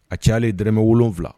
A cayaale ye dmɛ wolonfila